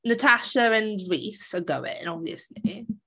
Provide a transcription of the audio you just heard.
Natasha and Reece are going, obviously.